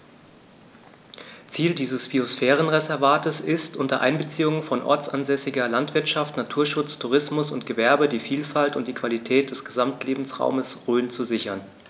Ziel dieses Biosphärenreservates ist, unter Einbeziehung von ortsansässiger Landwirtschaft, Naturschutz, Tourismus und Gewerbe die Vielfalt und die Qualität des Gesamtlebensraumes Rhön zu sichern.